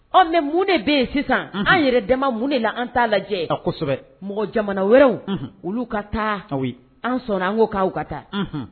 Ɔ mais mun de be ye sisan unhun an yɛrɛ dama mun de la an t'a lajɛ kosɛbɛ mɔgɔ jamana wɛrɛw unhun olu ka taa ah oui an sɔnna an ŋo ka u ka taa unhun